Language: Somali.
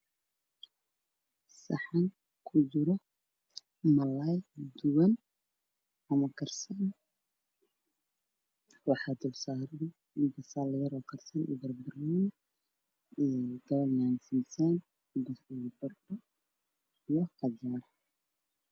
Waa saxan waxaa kujiro malaay duban ama karsan waxaa dulsaaran basal, banbanooni, yaanyo simisaam, tuun, baradho iyo qajaar.